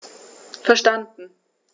Verstanden.